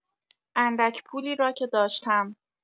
اندک پولی را که داشتم.